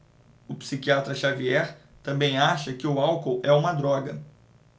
o psiquiatra dartiu xavier também acha que o álcool é uma droga